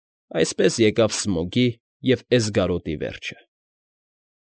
Այսպես եկավ Սմոգի և Էսգարոտի վերջը։